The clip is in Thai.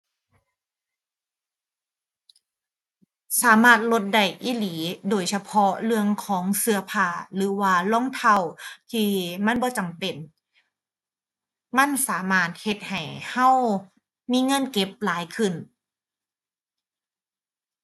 สามารถลดได้อีหลี โดยเฉพาะเรื่องของเสื้อผ้าหรือว่ารองเท้าที่มันบ่จำเป็น มันสามารถเฮ็ดให้เรามีเงินเก็บหลายขึ้น